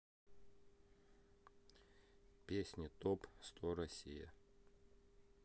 песни топ сто россия